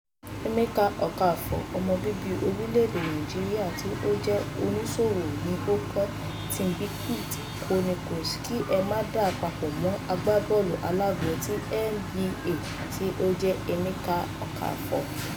Emeka Okafor, ọmọ bíbí orílẹ̀-èdè Nàìjíríà tí ó jẹ́ oníṣòwò ni ó kọ Timbuktu Chronicles, kí ẹ má dàá papọ̀ mọ́ agbábọ́ọ̀lù-alágbọ̀n ti NBA tí ó ń jẹ́ Emeka Okafor.